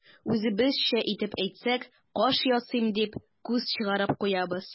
Үзебезчә итеп әйтсәк, каш ясыйм дип, күз чыгарып куябыз.